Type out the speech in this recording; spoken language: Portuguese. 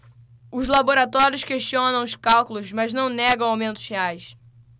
os laboratórios questionam os cálculos mas não negam aumentos reais